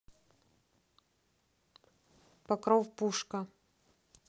покров пушка